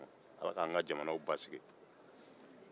ala k'an ka jamanaw basigi